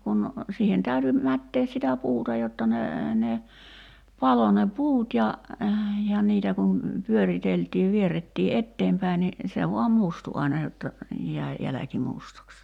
kun siihen täytyi mättää sitä puuta jotta ne ne paloi ne puut ja ja niitä kun pyöriteltiin vierrettiin eteenpäin niin se vain mustui aina jotta jäi jälki mustaksi